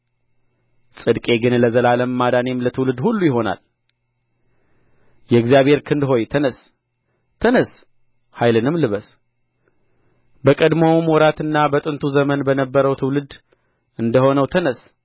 ጽድቄ ግን ለዘላለም ማዳኔም ለትውልድ ሁሉ ይሆናል የእግዚአብሔር ክንድ ሆይ ተነሥ ተነሥ ኃይልንም ልበስ በቀድሞው ወራትና በጥንቱ ዘመን በነበረው ትውልድ እንደ ሆነው ተነሥ